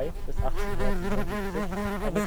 1877), einen Schriftsteller